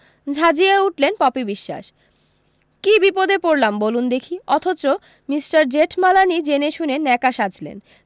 ঝাঁঝিয়ে উঠলেন পপি বিশ্বাস কী বিপদে পড়লাম বলুন দেখি অথচ মিষ্টার জেঠমালানি জেনেশুনে ন্যাকা সাজলেন